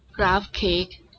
กราฟเค้ก